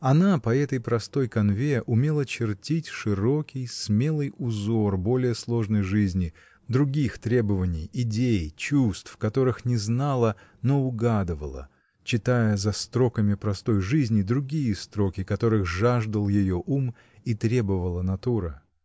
Она, по этой простой канве, умела чертить широкий, смелый узор более сложной жизни, других требований, идей, чувств, которых не знала, но угадывала, читая за строками простой жизни другие строки, которых жаждал ее ум и требовала натура.